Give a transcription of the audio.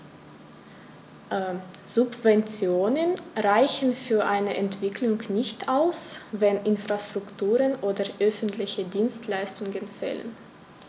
Subventionen reichen für eine Entwicklung nicht aus, wenn Infrastrukturen oder öffentliche Dienstleistungen fehlen.